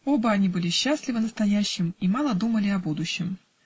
Оба они были счастливы настоящим и мало думали о будущем.